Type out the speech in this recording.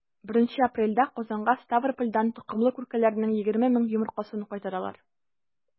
1 апрельдә казанга ставропольдән токымлы күркәләрнең 20 мең йомыркасын кайтаралар.